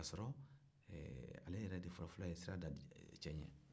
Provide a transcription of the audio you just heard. k'a sɔrɔ ale yɛrɛ de fɔlɔ ye sira da cɛ ɲɛ